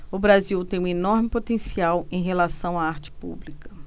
o brasil tem um enorme potencial em relação à arte pública